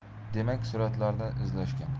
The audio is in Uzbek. demak suratlarni izlashgan